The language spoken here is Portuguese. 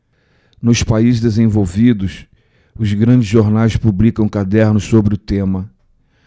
nos países desenvolvidos os grandes jornais publicam cadernos sobre o tema